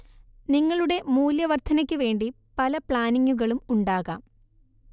നിങ്ങളുടെ മൂല്യ വർദ്ധനക്ക് വേണ്ടി പല പ്ലാനിങ്ങുകളും ഉണ്ടാകാം